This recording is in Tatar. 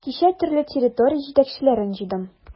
Кичә төрле территория җитәкчеләрен җыйдым.